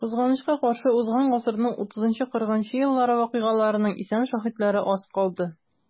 Кызганычка каршы, узган гасырның 30-40 еллары вакыйгаларының исән шаһитлары аз калды.